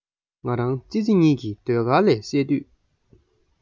ང རང ཙི ཙི གཉིས ཀྱི ཟློས གར ལས སད དུས